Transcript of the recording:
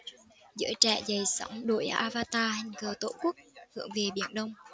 giới trẻ dậy sóng đổi avatar hình cờ tổ quốc hướng về biển đông